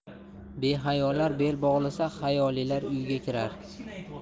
behayolar bel bog'lasa hayolilar uyga kirar